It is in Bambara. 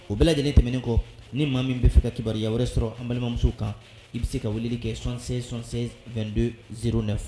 O bɛɛ lajɛlen tɛmɛnen kɔ ni maa min bɛ fɛ ka kibabiruyaya wɛrɛ sɔrɔ an balimamuso kan i bɛ se ka wuli kɛ sonsen sonsɛ2do zio de fɛ